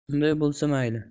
unday bo'lsa mayli